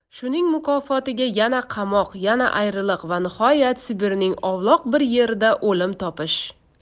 shuning mukofotiga yana qamoq yana ayriliq va nihoyat sibirning ovloq bir yerida o'lim topish